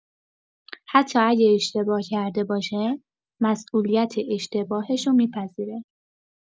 حتی اگه اشتباه کرده باشه، مسئولیت اشتباهشو می‌پذیره.